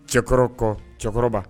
Cɛkɔrɔba kɔ cɛkɔrɔba